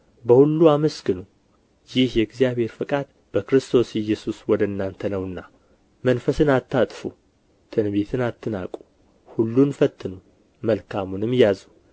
በሁሉ አመስግኑ ይህ የእግዚአብሔር ፈቃድ በክርስቶስ ኢየሱስ ወደ እናንተ ነውና መንፈስን አታጥፉ ትንቢትን አትናቁ ሁሉን ፈትኑ መልካሙንም ያዙ